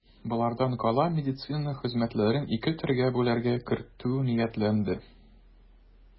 Болардан кала медицина хезмәтләрен ике төргә бүләргә кертү ниятләнде.